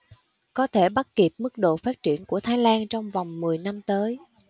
có thể bắt kịp mức độ phát triển của thái lan trong vòng mười năm tới